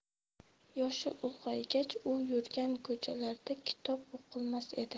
yoshi ulg'aygach u yurgan ko'chalarda kitob o'qilmas edi